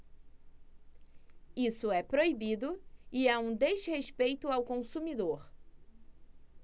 isso é proibido e é um desrespeito ao consumidor